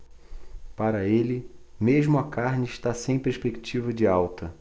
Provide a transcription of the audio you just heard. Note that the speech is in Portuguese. para ele mesmo a carne está sem perspectiva de alta